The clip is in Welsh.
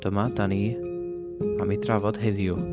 Dyma dan ni am ei drafod heddiw.